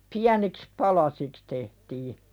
pieniksi palasiksi tehtiin